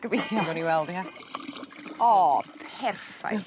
gobeithio. Gawn ni weld ia? O perffaith.